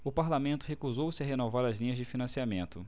o parlamento recusou-se a renovar as linhas de financiamento